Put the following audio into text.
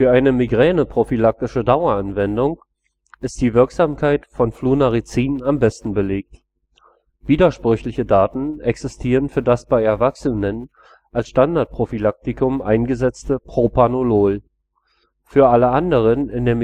eine migräneprophylaktische Daueranwendung ist die Wirksamkeit für Flunarizin am besten belegt. Widersprüchliche Daten existieren für das bei Erwachsenen als Standardprophylaktikum eingesetzte Propranolol. Für alle anderen in der